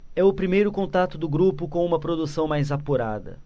é o primeiro contato do grupo com uma produção mais apurada